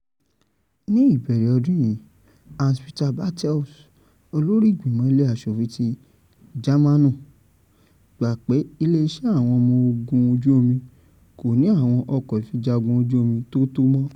Ní ìbẹ̀rẹ̀ ọdún yìí, Hans-Peter Bartels, olórí ìgbìmọ̀ ilé aṣòfin ti Jámànù, gbà pé Ilé iṣẹ́ àwọn ọmọ ogun ojú omi “kò ní àwon ọkọ ìfijagún ojú omi tó tó mọ́.”